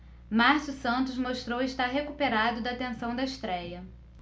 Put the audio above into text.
márcio santos mostrou estar recuperado da tensão da estréia